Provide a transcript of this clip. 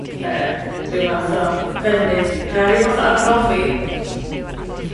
yy rhyw fath o ddefnydd yy rhyw fath o arbrofi.